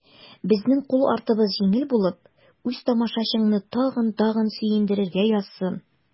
Безнең кул артыбыз җиңел булып, үз тамашачыңны тагын-тагын сөендерергә язсын.